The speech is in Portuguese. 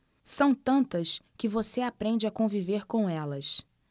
são tantas que você aprende a conviver com elas